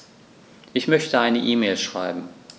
Ich möchte eine E-Mail schreiben.